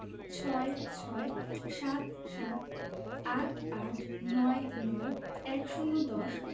৬ - ছয় ৭ - সাত ৮ - আট ৯ - নয় ১০ – দশ